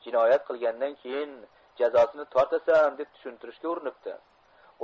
jinoyat qilgandan keyin jazosini tortasan deb tushuntirishga urinibdi